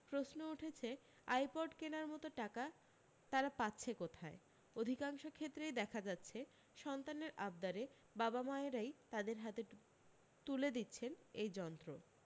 প্রশ্ন উঠেছে আইপড কেনার মত টাকা তারা পাচ্ছে কোথায় অধিকাংশ ক্ষেত্রেই দেখা যাচ্ছে সন্তানের আবদারে বাবা মায়েরাই তাদের হাতে তুলে দিচ্ছেন এই যন্ত্র